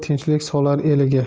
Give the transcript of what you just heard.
tinchlik solar eliga